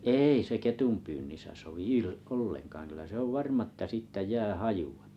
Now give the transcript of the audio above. ei se ketunpyynnissä sovi - ollenkaan kyllä se on varma että siitä jää hajua